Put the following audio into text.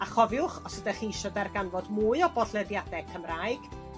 A chofiwch os ydech chi isio darganfod mwy o bollediade Cymraeg